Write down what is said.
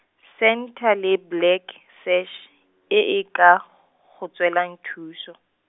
Centre le Black, Sash , e e ka, go tswelang thuso.